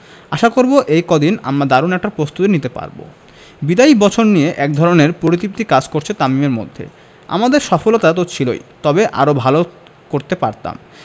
আশা করব এই কদিনে আমরা দারুণ একটা প্রস্তুতি নিতে পারব বিদায়ী বছর নিয়ে একধরনের পরিতৃপ্তি কাজ করছে তামিমের মধ্যে আমাদের সফলতা তো ছিলই তবে আরও ভালো করতে পারতাম